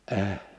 -